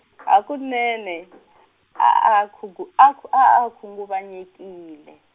hakunene, a a khugu- a k- a a khunguvanyekile.